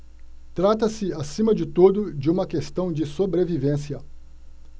trata-se acima de tudo de uma questão de sobrevivência